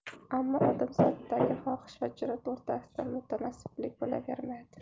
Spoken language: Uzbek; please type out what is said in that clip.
ammo odam zotidagi xohish va jurat o'rtasida mutanosiblik bo'lavermaydi